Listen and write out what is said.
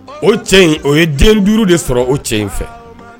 O cɛ in o ye den duuru de sɔrɔ o cɛ in fɛ